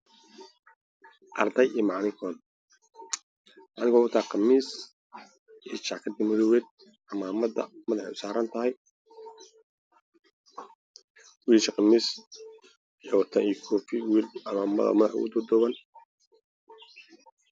Waa masaajid waxaa fadhiya niman fara badan waxaa taagan nin oo wato shaati iyo khamiis cadaan oo u qudbeynayo dhulka maamultuuleen cadaan